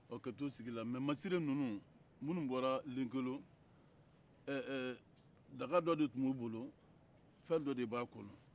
ka to sigi la mɛ masire ninnu minnu bɔra lɛnkelo eee eee daga dɔ de tun b'u bolo fɛn dɔ de b'a kɔnɔ